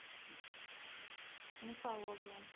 мифология